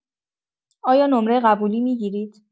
آیا نمره قبولی می‌گیرید؟